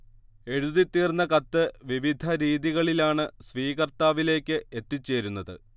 എഴുതിത്തീർന്ന കത്ത് വിവിധ രീതികളിലാണ് സ്വീകർത്താവിലേക്ക് എത്തിച്ചേരുന്നത്